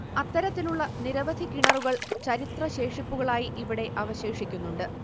അത്തരത്തിലുള്ള നിരവധി കിണറുകൾ ചരിത്ര ശേഷിപ്പുകളായി ഇവിടെ അവശേഷിക്കുന്നുണ്ട്